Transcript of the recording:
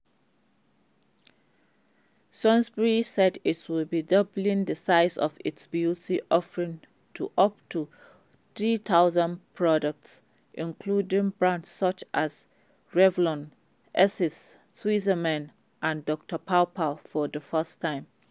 Sainsbury's said it would be doubling the size of its beauty offering to up to 3,000 products, including brands such as Revlon, Essie, Tweezerman and Dr. PawPaw for the first time.